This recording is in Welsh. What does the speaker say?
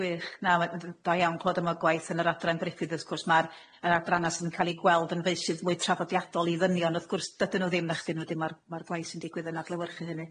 Gwych, na ma'n yn da iawn clwad yma o gwaith yn yr adran dreffydd wrth gwrs ma'r yr adrana sydd yn ca'l i gweld yn feysydd mwy traddodiadol i ddynion wrth gwrs dydyn nw ddim nachdi nw dim ma'r ma'r gwaith sy'n digwydd yn adlewyrchu hynny.